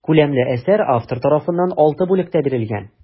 Күләмле әсәр автор тарафыннан алты бүлектә бирелгән.